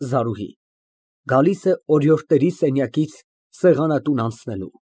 ԶԱՐՈՒՀԻ ֊ (Գալիս է օրիորդների սենյակից՝ սեղանատուն անցնելու)։